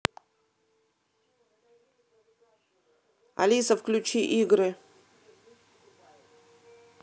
алиса включи игры